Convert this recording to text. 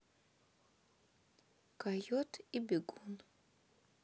койот и бегун